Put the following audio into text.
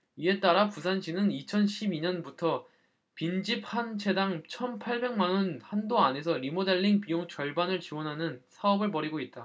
이에 따라 부산시는 이천 십 이 년부터 빈집 한 채당 천 팔백 만원 한도 안에서 리모델링 비용 절반을 지원하는 사업을 벌이고 있다